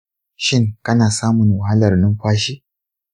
shin kana samun wahalar numfashi?